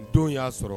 Don y'a sɔrɔ